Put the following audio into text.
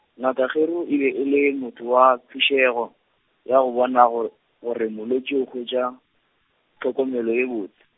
ngaka Kgeru e be e le motho wa phišego, ya go bona gor-, gore molwetši o hwetša, tlhokomelo ye botse.